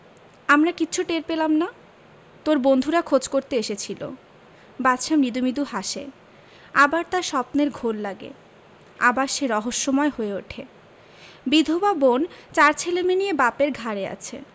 আমরা কিচ্ছু টের পেলাম না তোর বন্ধুরা খোঁজ করতে এসেছিলো বাদশা মৃদু মৃদু হাসে আবার তার স্বপ্নের ঘোর লাগে আবার সে রহস্যময় হয়ে উঠে বিধবা বোন চার ছেলেমেয়ে নিয়ে বাপের ঘাড়ে আছে